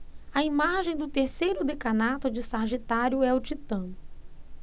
a imagem do terceiro decanato de sagitário é o titã